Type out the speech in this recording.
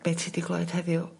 be' ti 'di glwad heddiw